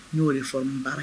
N y'o de fɔ n ba ye